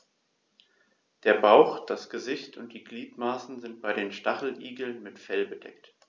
Der Bauch, das Gesicht und die Gliedmaßen sind bei den Stacheligeln mit Fell bedeckt.